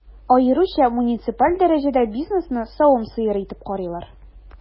Аеруча муниципаль дәрәҗәдә бизнесны савым сыеры итеп карыйлар.